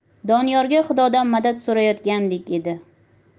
doniyorga xudodan madad so'rayotgandek edi